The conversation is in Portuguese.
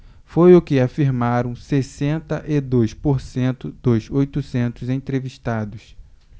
foi o que afirmaram sessenta e dois por cento dos oitocentos entrevistados